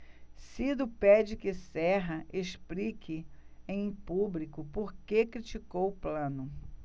ciro pede que serra explique em público por que criticou plano